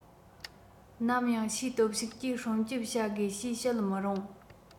ནམ ཡང ཕྱིའི སྟོབས ཤུགས ཀྱིས སྲུང སྐྱོང བྱ དགོས ཞེས བཤད མི རུང